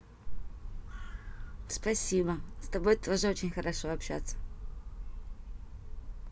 спасибо с тобой тоже очень хорошо общаться